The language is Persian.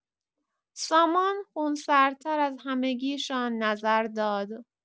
سامان خونسردتر از همگی‌شان نظر داد.